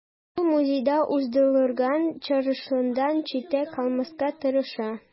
Ул музейда уздырылган чаралардан читтә калмаска тырыша.